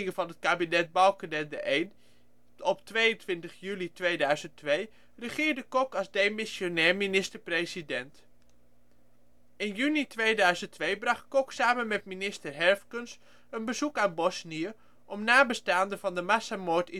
van het kabinet-Balkenende I op 22 juli 2002 regeerde Kok als demissionair minister-president. In juni 2002 bracht Kok samen met minister Herfkens een bezoek aan Bosnië om nabestaanden van de massamoord